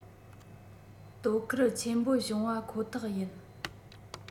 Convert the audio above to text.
དོ ཁུར ཆེན པོ བྱུང བ ཁོ ཐག ཡིན